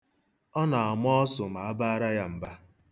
Ọ na-ama ọsụ ma a baara ya mba.